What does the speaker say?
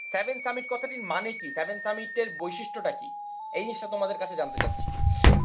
seven summit কথাটার মানে কে সেভেন সামিট এর বৈশিষ্ট্য টা কি এই জিনিসটা তোমাদের কাছে জানতে চাচ্ছি